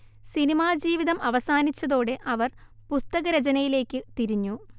cinema ജീവിതം അവസാനിച്ചതോടെ അവർ പുസ്തക രചനയിലേക്കു തിരിഞ്ഞു